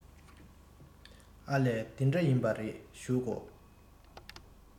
ཨ ལས དེ འདྲ ཡིན པ རེད བཞུགས དགོ